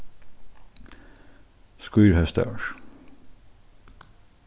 skírhósdagur